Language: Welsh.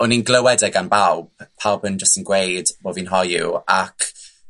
o'n i'n glywed e gan bawb, pawb yn jyst yn gweud bo' fi'n hoyw ac